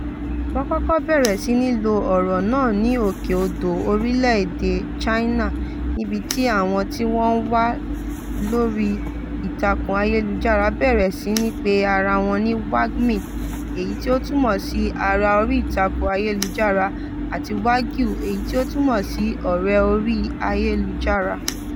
Wọ́n kọ́kọ́ bẹ̀rẹ̀ sí ní lo ọ̀rọ̀ náà ní òkè odò orílẹ̀ èdè China, níbi tí àwọn tí wọ́n wà lórí ìtàkùn ayélujára bẹ̀rẹ̀ sí ní pe ara wọn ní wangmin (èyí tí ó túmọ̀ sí "ará 'orí-ìtàkùn-ayélujára") àti wangyou (èyí tí ó túmọ̀ sí ọ̀rẹ́-orí - ayélujára").